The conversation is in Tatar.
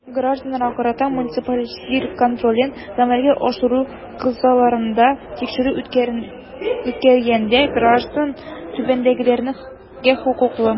Гражданнарга карата муниципаль җир контролен гамәлгә ашыру кысаларында тикшерү үткәргәндә граждан түбәндәгеләргә хокуклы.